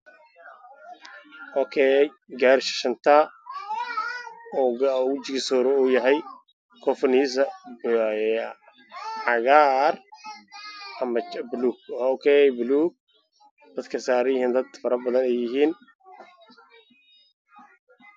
Meesha waxaa maraaya gaarid badan ayaa saaran ka arimihiisa midooday